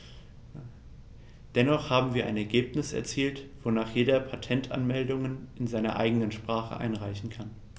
Dennoch haben wir ein Ergebnis erzielt, wonach jeder Patentanmeldungen in seiner eigenen Sprache einreichen kann.